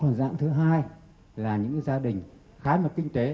còn dạng thứ hai là những gia đình khá là tinh tế